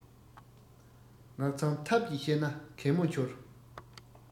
ངག མཚང ཐབས ཀྱིས ཤེས ན གད མོ འཆོར